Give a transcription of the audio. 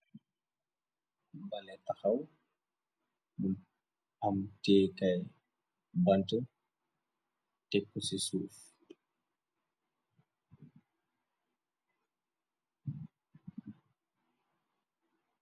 bale taxaw bu am téekay bant tekk ci suuf